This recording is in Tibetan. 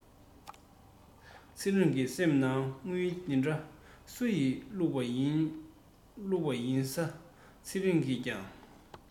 ཚེ རིང གི སེམས ནང དངུལ འདི འདྲ སུ ཡི བླུག པ ཡིན བླུག པ ཡིན ས བཞིན ཚེ རིང གིས ཀྱང